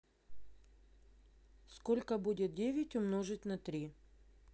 сколько будет девять умножить на три